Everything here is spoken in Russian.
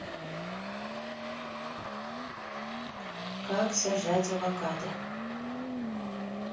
как сажать авокадо